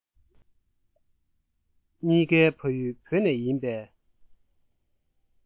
གཉིས ཀའི ཕ ཡུལ བོད ནས ཡིན པས